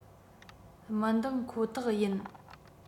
མི འདངས ཁོ ཐག ཡིན